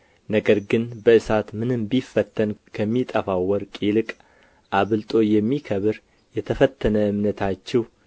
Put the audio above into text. ነገር ግን በእሳት ምንም ቢፈተን ከሚጠፋው ወርቅ ይልቅ አብልጦ የሚከብር የተፈተነ እምነታችሁ